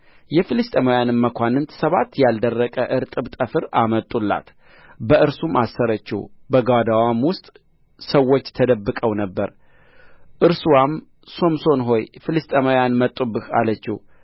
የፍልስጥኤማውያንም መኳንንት ሰባት ያልደረቀ እርጥብ ጠፍር አመጡላት በእርሱም አሰረችው በጓዳዋም ውስጥ ሰዎች ተደብቀው ነበር እርስዋም ሶምሶን ሆይ ፍልስጥኤማውያን መጡብህ አለችው